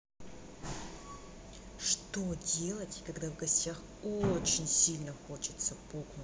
что делать когда в гостях очень сильно хочется пукнуть